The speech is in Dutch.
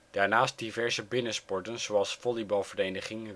Daarnaast diverse binnensporten zoals volleybalvereniging